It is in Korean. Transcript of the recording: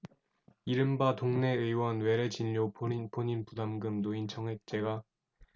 이른바 동네의원 외래진료 본인부담금 노인정액제가 현행대로 당분간 유지될 것으로 보인다